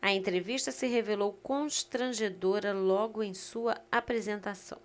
a entrevista se revelou constrangedora logo em sua apresentação